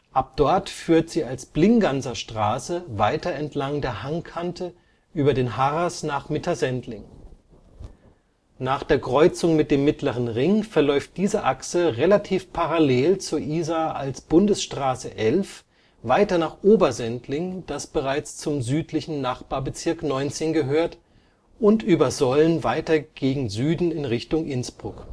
Ab dort führt sie als Plinganserstraße weiter entlang der Hangkante über den Harras nach Mittersendling. Nach der Kreuzung mit dem Mittleren Ring verläuft diese Achse relativ parallel zur Isar als Bundesstraße 11 weiter nach Obersendling, das bereits zum südlichen Nachbarbezirk 19 gehört, und über Solln weiter gegen Süden in Richtung Innsbruck